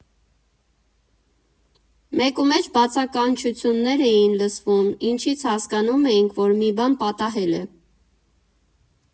Մեկումեջ բացականչություններ էին լսվում, ինչից հասկանում էինք, որ մի բան պատահել է։